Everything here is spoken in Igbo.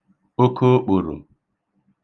okookpòrò